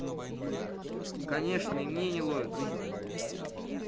конечно и мне не ловится